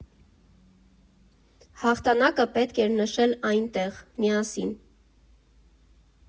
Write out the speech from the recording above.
Հաղթանակը պետք էր նշել այնտեղ, միասին։